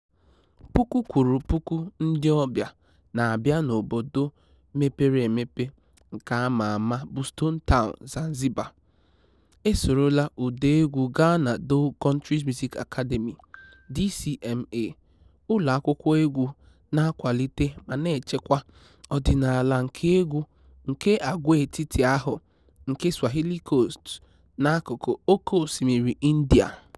Puku kwụrụ puku ndị ọbịa na-abịa n'obodo mepere emepe nke a ma ama bụ Stone Town, Zanzibar, esorola ụda egwu gaa na Dhow Countries Music Academy (DCMA), ụlọakwụkwọ egwu na-akwalite ma na-echekwa ọdịnala nke egwu nke agwaetiti ahụ nke Swahili Coast n'akụkụ Oke Osimiri India.